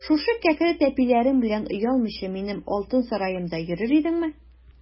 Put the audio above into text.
Шушы кәкре тәпиләрең белән оялмыйча минем алтын сараемда йөрер идеңме?